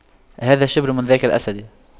هذا الشبل من ذاك الأسد